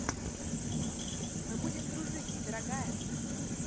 мы будем дружить дорогая